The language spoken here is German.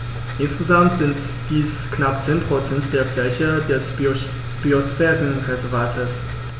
Insgesamt sind dies knapp 10 % der Fläche des Biosphärenreservates.